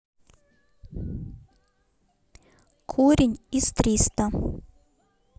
корень из триста